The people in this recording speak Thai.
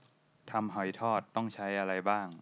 ทำหอยทอดต้องใช้อะไรบ้าง